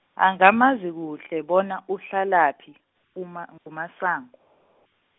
angamazi kuhle bona uhlalaphi, uma- nguMasang- .